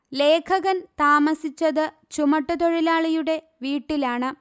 ലേഖകൻ താമസിച്ചത് ചുമട്ടുതൊഴിലാളിയുടെ വീട്ടിലാണ്